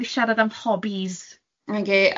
Gawn ni siarad am hobbies.